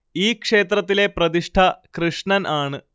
ഈ ക്ഷേത്രത്തിലെ പ്രതിഷ്ഠ കൃഷ്ണൻ ആണ്